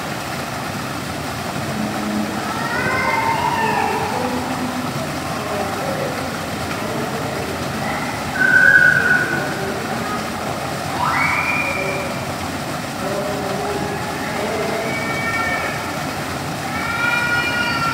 Waa guryo dabaq oo duq ah midabkiis yahay caddaan